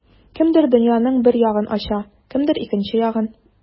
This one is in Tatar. Кемдер дөньяның бер ягын ача, кемдер икенче ягын.